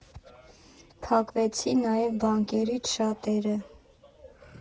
Փակվեցին նաև բանկերից շատերը։